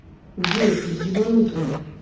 джой ты ебнутая